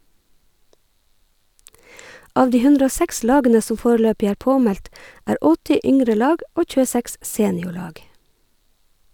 Av de 106 lagene som foreløpig er påmeldt, er 80 yngre lag og 26 seniorlag.